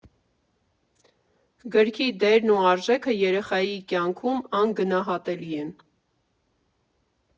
Գրքի դերն ու արժեքը երեխայի կյանքում անգնահատելի են։